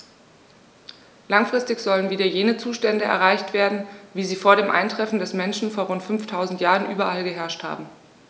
Langfristig sollen wieder jene Zustände erreicht werden, wie sie vor dem Eintreffen des Menschen vor rund 5000 Jahren überall geherrscht haben.